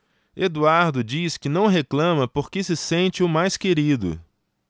eduardo diz que não reclama porque se sente o mais querido